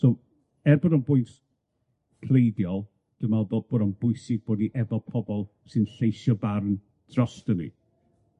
So, er bod o'n bwynt pleidiol, dwi'n meddwl bo- bod o'n bwysig bod ni efo pobol sy'n lleisio barn droston ni.